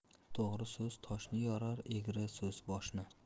to'g'ri so'z toshni yorar egri so'z boshni